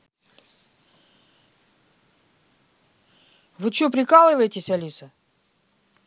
вы че прикалываетесь алиса